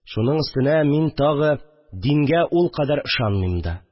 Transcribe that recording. Шуның өстенә мин, тагы, дингә ул кадәр ишанмыйм да